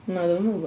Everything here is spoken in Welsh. Na dwi heb weld o.